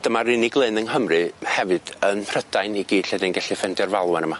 Dyma'r unig lyn yng Nghymru hefyd yn Mhrydain i gyd lle 'dan ni'n gallu ffindio'r falwen yma.